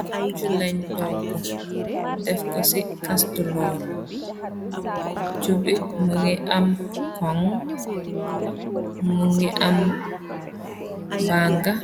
Ap chu lañ togg, def ko ci castulor. Chu bi mu ngi am kong, mu ngi am bangga,